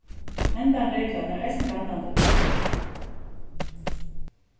hendan reglan er eisini galdandi fyri teg